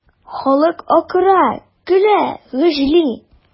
Халык акыра, көлә, гөжли.